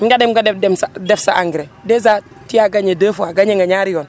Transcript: nga dem nga dem sa def sa engrais dèjà tu as gagné deux fois gagné nga ñaari yoon